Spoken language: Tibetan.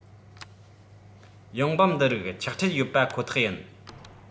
ཡོང འབབ འདི རིགས ཆག འཕྲད ཡོད པ ཁོ ཐག ཡིན